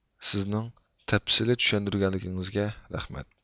سىزنىڭ تەپسىلىي چۈشەندۈرگەنلىكىڭىزگە رەھمەت